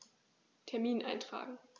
Termin eintragen